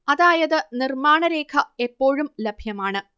അതായത് നിർമ്മാണരേഖ എപ്പോഴും ലഭ്യമാണ്